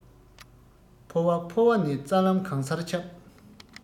ཕོ བ ཕོ བ ནས རྩ ལམ གང སར ཁྱབ